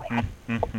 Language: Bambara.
Un un